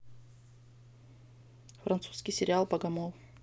французский сериал богомол